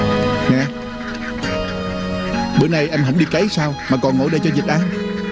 nè bữa nay em hổng đi cấy sao mà còn ngồi đây cho vịt ăn